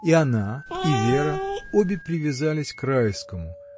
И она, и Вера — обе привязались к Райскому.